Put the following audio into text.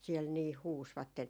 siellä niin huusivat